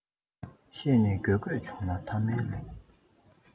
བཤད ནས འགྱོད དགོས བྱུང ན ཐ མའི ལས